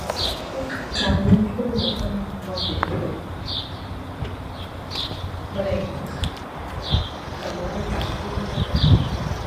การลงทุนแล้วมันบ่เห็นผล บ่ได้ กำไรกลับคืนมา